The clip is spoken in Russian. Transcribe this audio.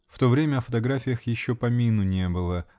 (В то время о фотографиях еще помину не было.